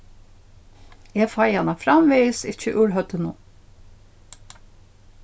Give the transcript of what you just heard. eg fái hana framvegis ikki úr høvdinum